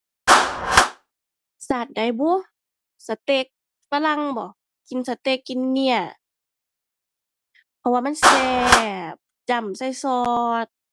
ชาติไหนบุ สเต๊ก ฝรั่งบ่ กินสเต๊กกินเนื้อ เพราะว่ามันแซ่บ จ้ำใส่ซอส